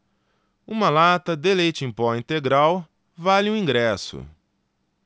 uma lata de leite em pó integral vale um ingresso